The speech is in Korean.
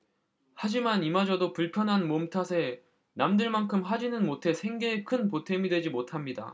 하지만 이마저도 불편한 몸 탓에 남들만큼 하지는못해 생계에 큰 보탬이 되지 못합니다